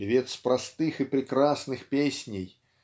певец простых и прекрасных песней